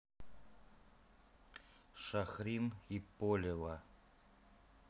шахрин и полева